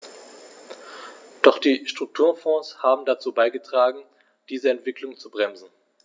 Doch die Strukturfonds haben dazu beigetragen, diese Entwicklung zu bremsen.